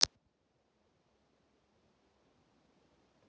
подглядывает под юбкой